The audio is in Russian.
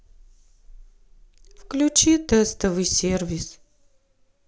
включи тестовый сервис